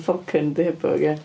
Falcon 'di hebog, ia?